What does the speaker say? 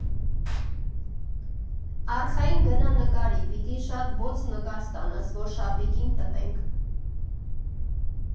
Արխային գնա նկարի, պիտի շատ բոց նկար ստանաս, որ շապիկին տպենք։